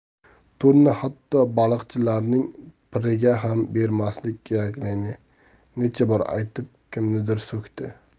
to'rni hatto baliqchilarning piriga ham bermaslik kerakligini necha bor aytib kimnidir so'kdi